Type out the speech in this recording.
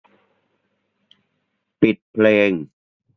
ปิดเพลง